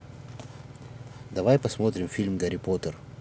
давай посмотрим фильм гарри поттер